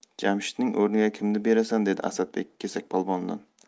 jamshidning o'rniga kimni berasan dedi asadbek kesakpolvondan